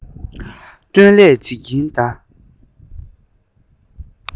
སྟོན ལས བྱེད ཀྱིན གདའ